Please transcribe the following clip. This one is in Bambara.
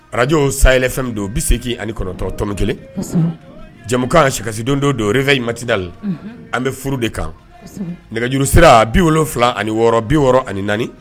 Ararakajo sayla fɛn don u bɛ se ani kɔnɔntɔntɔn min kelen jamukan a sikasi don don fɛyimatida la an bɛ furu de kan nɛgɛjuru sera bi wolo wolonwula ani wɔɔrɔ bi wɔɔrɔ ani naani